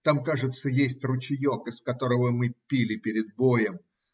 Там, кажется, есть ручеек, из которого мы пили перед боем.